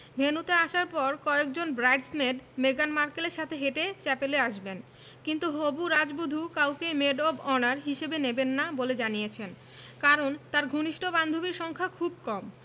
ভেন্যুতে আসার পর কয়েকজন ব্রাইডস মেড মেগান মার্কেলের সাথে হেঁটে চ্যাপেলে আসবেন কিন্তু হবু রাজবধূ কাউকেই মেড অব অনার হিসেবে নেবেন না বলে জানিয়েছেন কারণ তাঁর ঘনিষ্ঠ বান্ধবীর সংখ্যা খুব কম